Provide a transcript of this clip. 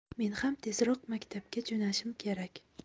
men ham tezroq maktabga jo'nashim kerak